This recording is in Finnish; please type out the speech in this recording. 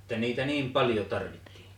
että niitä niin paljon tarvittiin